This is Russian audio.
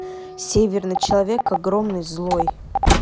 северный человек огромный злой